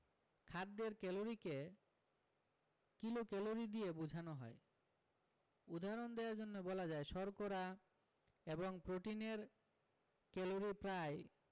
খাদ্যের ক্যালরিকে কিলোক্যালরি দিয়ে বোঝানো হয় উদাহরণ দেয়ার জন্যে বলা যায় শর্করা এবং প্রোটিনের ক্যালরি প্রায়